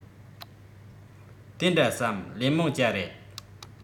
དེ འདྲ བསམ ལེ མོང ཅ རེད